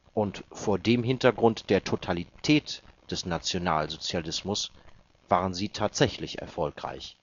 Und vor dem Hintergrund der Totalität des Nationalsozialismus waren sie tatsächlich erfolgreich